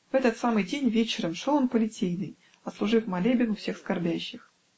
В этот самый день, вечером, шел он по Литейной, отслужив молебен у Всех Скорбящих.